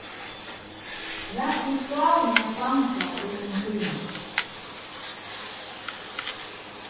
lat nú skálina standa í ein tíma